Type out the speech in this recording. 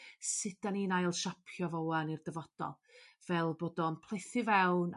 sud 'dan ni'n ail siapio fo 'wan i'r dyfodol fel bod o'n plethu fewn